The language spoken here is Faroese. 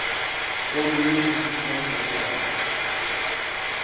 honum nýtist ikki longur at gera tað